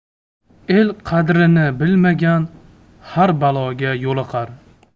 el qadrini bilmagan har baloga yo'liqar